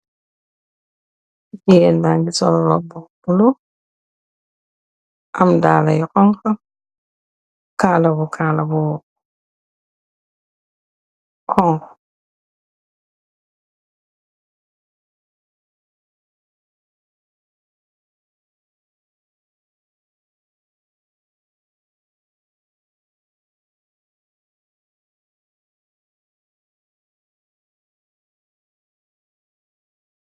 Jigeen bagi sol roba bu bulo am daala yu xonxa kalawu kala bu xonx.